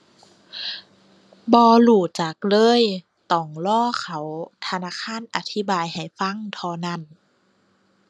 บ่รู้จักเลย ต้องรอเขาธนาคารอธิบายให้ฟังเท่านั้น